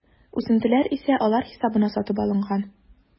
Үсентеләр исә алар хисабына сатып алынган.